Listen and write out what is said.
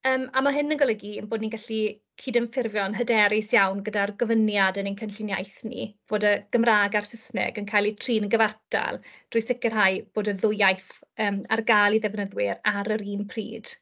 Yym a ma' hyn yn golygu ein bod ni'n gallu cydymffurfio'n hyderus iawn gyda'r gofyniad yn ein cynllun iaith ni, fod y Gymra'g a'r Saesneg yn cael eu trin yn gyfartal, drwy sicrhau bod y ddwy iaith yym ar gael i ddefnyddwyr ar yr un pryd.